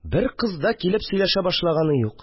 Бер кыз да килеп сөйләшә башлаганы юк